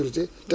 d' accord